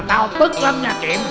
tao tức lắm nha kiệm